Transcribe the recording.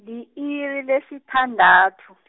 li-iri lesithandathu .